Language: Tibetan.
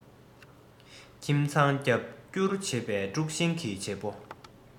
ཁྱིམ ཚང རྒྱབ བསྐྱུར བྱེད པའི དཀྲུག ཤིང གི བྱེད པོ